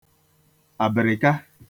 àbị̀rị̀ka